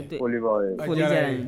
N ka foli b'aw ye,